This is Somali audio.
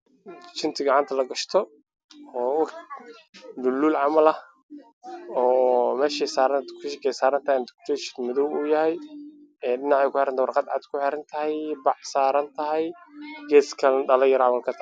Jijinta gacanta la gashto oo u eg luuluul jaalo ah background kana waa qaxwi